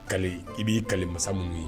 Kalile i b'i kalile masa mun ye